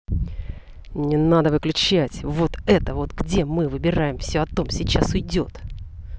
не надо выключать вот это вот где мы выбираем все о том сейчас уйдет